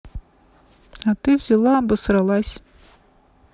а ты взяла обосралась